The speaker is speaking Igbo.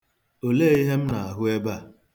Olee ihe m na-ahụ ebe a?